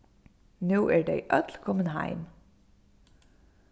nú eru tey øll komin heim